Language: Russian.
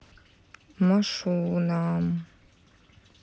машу нам